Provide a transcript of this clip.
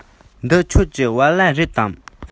འདི ཁྱོད ཀྱི བལ ལྭ རེད དམ